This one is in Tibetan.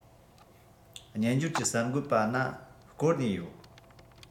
སྨྱན སྦྱོར གྱི གསར འགོད པ ན བསྐོར ནས ཡོད